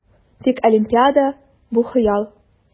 Тик Олимпиада - бу хыял!